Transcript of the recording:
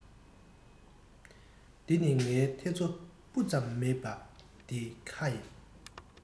འདི ནི ངའི ཐེ ཚོ སྤུ ཙམ མེད པའི འདེམས ཁ ཡིན